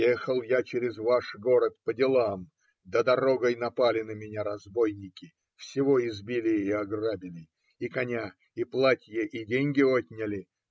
ехал я через ваш город по делам, да дорогой напали на меня разбойники, всего избили и ограбили, и коня, и платье, и деньги отняли.